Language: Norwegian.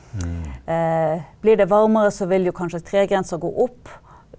blir det varmere så vil jo kanskje tregrensa gå opp.